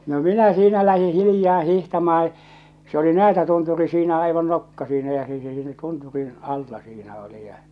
no minä siinä lähdin hiljaa hiihtämään se oli Näätätunturi siinä aivan nokka siinä ja se se siinä tunturin alla siinä oli ja